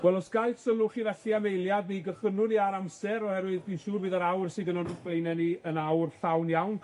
Wel, os gai'c sylw chi felly am eiliad, mi gychwynnwn ni ar amser, oherwydd fi'n siŵr bydd yr awr sydd yn 'yn wrth blaene ni yn awr llawn iawn